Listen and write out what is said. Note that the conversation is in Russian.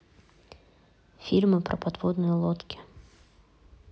фильмы про подводные лодки